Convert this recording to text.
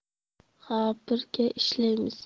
ha birga ishlaymiz